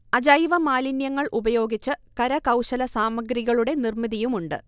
അജൈവ മാലിന്യങ്ങൾ ഉപയോഗിച്ച് കരകൗശല സാമഗ്രഹികളുടെ നിർമിതിയുമുണ്ട്